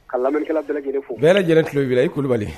Ka laminikɛla kelen fo bɛɛ lajɛlen kilofɛ i kulubali